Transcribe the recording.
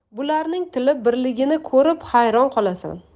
bularning tili birligini ko'rib hayron qolasan